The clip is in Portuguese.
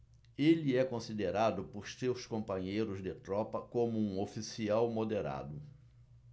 ele é considerado por seus companheiros de tropa como um oficial moderado